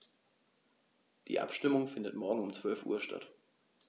Die Abstimmung findet morgen um 12.00 Uhr statt.